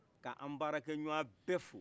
k'an barakɛɲɔgɔ bɛfo